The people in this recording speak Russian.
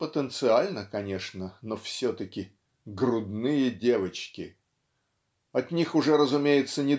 Потенциально, конечно, но все-таки - грудные девочки!. От них уже разумеется